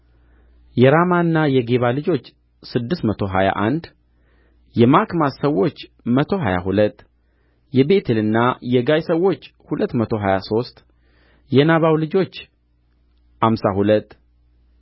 የራማና የጌባ ልጆች ስድስት መቶ ሀያ አንድ የማክማስ ሰዎች መቶ ሀያ ሁለት የቤቴልና የጋይ ሰዎች ሁለት መቶ ሀያ ሦስት የናባው ልጆች አምሳ ሁለት